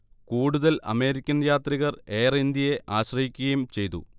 കൂടുതൽ അമേരിക്കൻ യാത്രികർ എയർഇന്ത്യയെ ആശ്രയിക്കുകയും ചെയ്തു